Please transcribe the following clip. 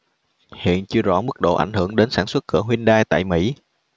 hiện chưa rõ mức độ ảnh hưởng đến sản xuất của hyundai tại mỹ